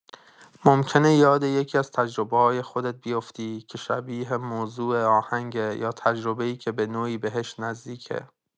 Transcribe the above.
ممکنه یاد یکی‌از تجربه‌های خودت بیفتی که شبیه موضوع آهنگه یا تجربه‌ای که به‌نوعی بهش نزدیکه.